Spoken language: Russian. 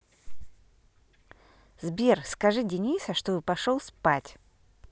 сбер скажи дениса чтобы пошел спать